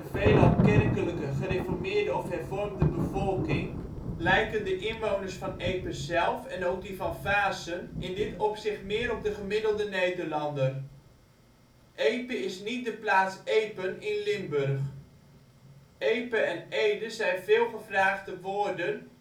veelal kerkelijke, gereformeerde of hervormde bevolking, lijken de inwoners van Epe zelf en ook die van Vaassen in dit opzicht meer op de gemiddelde Nederlander. Epe is niet de plaats Epen in Limburg. " Epe " en " Ede " zijn veel gevraagde woorden